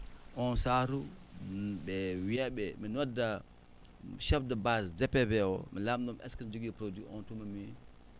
on saaru ɓe mi wiyaɓe mi nodda chef de base DPV o mi lamndoo mbo est ce que ene jogii produit on tuma mi